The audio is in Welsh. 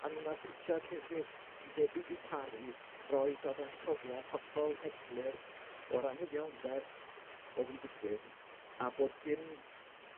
a mi nath Richard hefyd yn debyg i Cari roi dadansoddiad hollol eglur o'r angyfiawnder o'dd yn digwydd, a bod dim